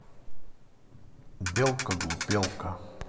белка глупелка